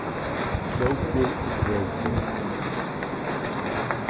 klókur og krókur